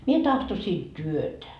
minä tahtoisin työtä